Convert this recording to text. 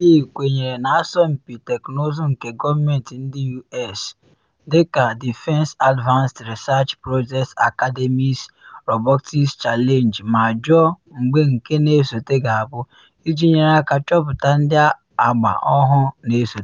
Lee kwenyere na asọmpi teknụzụ nke gọọmentị ndị U.S. dị ka Defense Advanced Research Projects Agency’s Robotics Challenge ma jụọ mgbe nke na esote ga-abụ, iji nyere aka chọpụta ndị agba ọhụụ na esote.